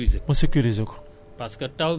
bu la neexee nag nga ne man damay dolli